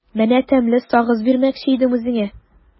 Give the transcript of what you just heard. Менә тәмле сагыз бирмәкче идем үзеңә.